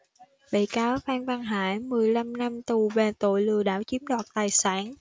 bị cáo phan văn hải mười lăm năm tù về tội lừa đảo chiếm đoạt tài sản